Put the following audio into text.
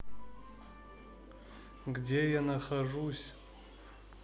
где я нахожусь